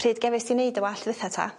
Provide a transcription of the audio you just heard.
Pryd gefis ti neud dy wallt dwetha 'ta?